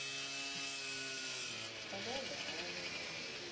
канал дорамы